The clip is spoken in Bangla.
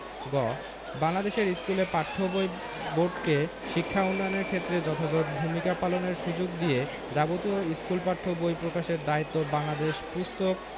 গ বাংলাদেশের স্কুলে পাঠ্য বই বোর্ডকে শিক্ষা উন্নয়নের ক্ষেত্রে যথাযথ ভূমিকা পালনের সুযোগ দিয়ে যাবতীয় স্কুল পাঠ্য বই প্রকাশের দায়িত্ব বাংলাদেশ পুস্তক